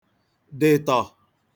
dị̀tọ̀